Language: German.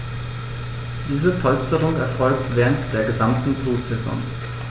Diese Polsterung erfolgt während der gesamten Brutsaison.